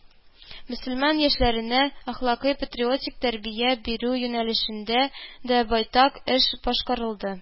Мөселман яшьләренә әхлакый-патриотик тәрбия бирү юнәлешендә дә байтак эш башкарылды